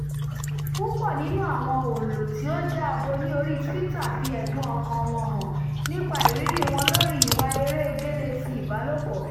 Púpọ̀ nínú àwọn òǹlò tí ó jẹ́ abo ní oríi Twitter fi ẹ̀dùn ọkàn-an wọn hàn nípa ìríríi wọn lóríi ìwà erée gélé ti ìbálòpọ̀: